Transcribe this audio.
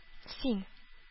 Син